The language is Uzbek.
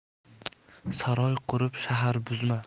saroy qurib shahar buzma